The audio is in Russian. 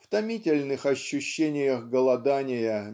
в томительных ощущениях голодания